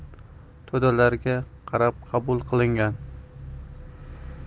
to'dalarga qarab qabul qilingan